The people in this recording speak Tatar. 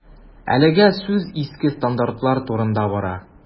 Әлегә сүз иске стандартлар турында бара.